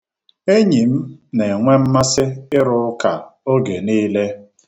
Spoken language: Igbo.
Enyi m na-enwe mmasị ịrụ ụka oge niile.